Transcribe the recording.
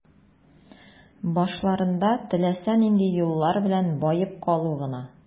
Башларында теләсә нинди юллар белән баеп калу гына.